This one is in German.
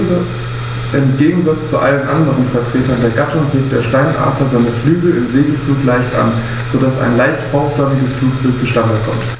Im Gegensatz zu allen anderen Vertretern der Gattung hebt der Steinadler seine Flügel im Segelflug leicht an, so dass ein leicht V-förmiges Flugbild zustande kommt.